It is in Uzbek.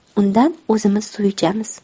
undan o'zimiz suv ichamiz